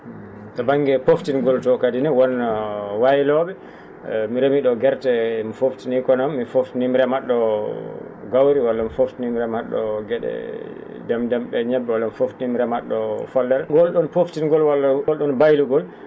to ba?nge poftingol to kadine wonno wayloo?e mi remii ?o gerte mi foftinii ko no mi fotini mi remat?oo gawri walla mi foftini mi remat?o ge?e Déme Déme?e ñebbe walla mi foftina mi remat?o follere ngool ?oon poftingol walla ngol ?on baylugol